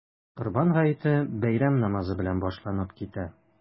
Корбан гаете бәйрәм намазы белән башланып китә.